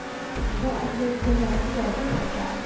theo ông đương đây là vấn đề rất hệ trọng